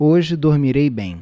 hoje dormirei bem